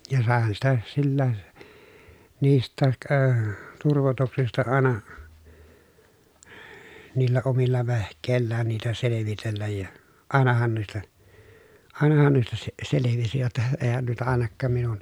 ja saihan sitä silläkin niistäkin - turvotuksista aina niillä omilla vehkeillään niitä selvitellä ja ainahan noista ainahan noista - selvisi jotta eihän noita - ainakaan minun